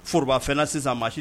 Forobafɛn sisan ma